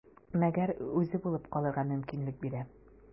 Мәгәр үзе булып калырга мөмкинлек бирә.